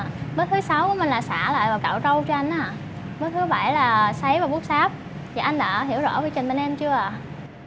bước thứ sáu mình lại xả lại và cạo râu cho anh ấy ạ thứ bảy là sấy và vuốt sáp dạ anh đã hiểu rõ quy trình bên em chưa ạ